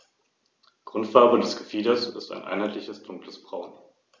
Damit beherrschte Rom den gesamten Mittelmeerraum.